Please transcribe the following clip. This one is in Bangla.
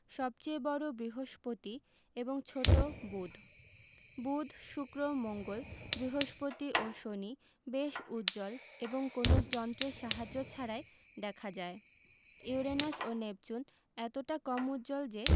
সবচেয়ে বড় বৃহস্পতি এবং ছোট বুধ বুধ শুক্র মঙ্গল বৃহস্পতি ও শনি বেশ উজ্জ্বল এবং কোনো যন্ত্রের সাহায্য ছাড়াই দেখা যায় ইউরেনাস ও নেপচুন এতটা কম উজ্জ্বল যে